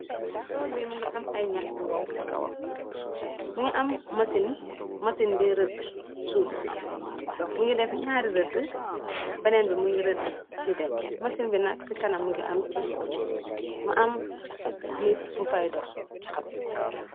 Tool bi mi ngi am ay ñax bu wuw ci kawam mi ngi am masin masin bi rëde suuf si mi ngi def naari rëde beneen bi mi ngi rëde di dem masin bi nag ci kanam mingi am ceen mi am nit bu fay dox.